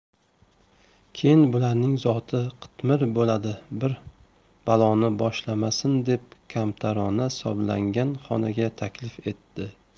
keyin bularning zoti qitmir bo'ladi bir baloni boshlamasin deb kamtarona hisoblangan xonaga taklif etdi